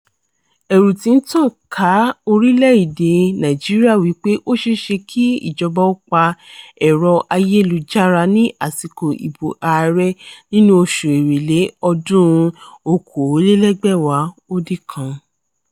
Ẹ̀rù ti ń tàn ká orílẹ̀-èdè Nàìjíríà wípé ó ṣe é ṣe kí ìjọba ó pa ẹ̀rọ-ayélujára ní àsìkò ìbò ààrẹ nínú oṣù Èrèlé ọdún-un 2019.